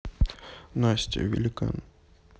настя великан